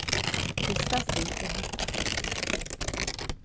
fyrsta stig er hetta